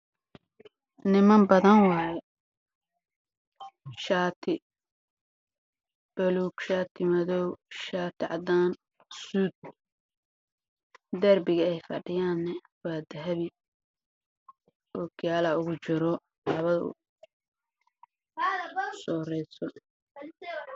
Odayaal ayaa meeshan fadhiyo